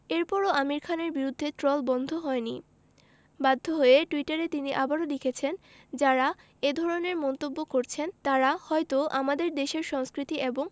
এরপরও আমির খানের বিরুদ্ধে ট্রল বন্ধ হয়নি বাধ্য হয়ে টুইটারে তিনি আবারও লিখেছেন যাঁরা এ ধরনের মন্তব্য করছেন তাঁরা হয়তো আমাদের দেশের সংস্কৃতি এবং